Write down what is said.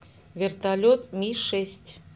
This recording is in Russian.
вертолет ми шесть